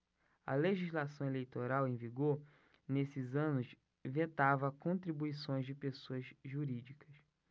a legislação eleitoral em vigor nesses anos vetava contribuições de pessoas jurídicas